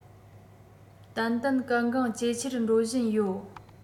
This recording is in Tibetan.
ཏན ཏན གལ འགངས ཇེ ཆེར འགྲོ བཞིན ཡོད